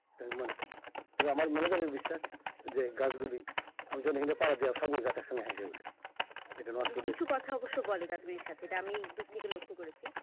এটা আমি মনে করি আমার মনে মনে এই বিশ্বাস আমি যখন এখানে পারা দেই সবগুলো গাছ একসঙ্গে হেসে ওঠে এটা নুহাশপল্লীর কিছু কথা অবশ্য বলে ও কাজ গুলোর সাথে এটা আমি দূর থেকে লক্ষ্য করেছি